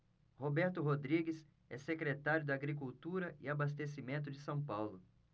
roberto rodrigues é secretário da agricultura e abastecimento de são paulo